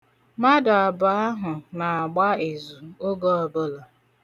Mmadụ abụọ ahụ na-agba izu oge ọbụla.